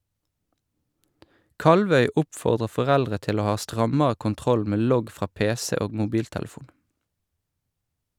Kalvøy oppfordrer foreldre til å ha strammere kontroll med logg fra pc og mobiltelefon.